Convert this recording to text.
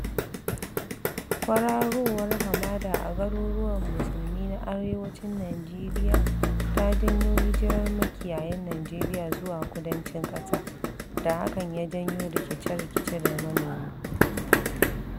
Kwararowar hamada a garuruwan Musulmi na arewacin Nijeriya ta janyo hijirar makiyayan Nijeriya zuwa kudancin ƙasar da hakan ya janyo rikice-rikice da manoma,